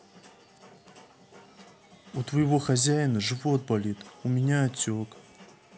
у твоего хозяина живот болит у меня отек